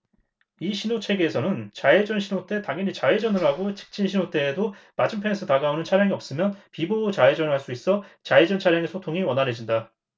이 신호체계에서는 좌회전 신호 때 당연히 좌회전을 하고 직진 신호 때에도 맞은편에서 다가오는 차량이 없으면 비보호 좌회전을 할 수 있어 좌회전 차량의 소통이 원활해진다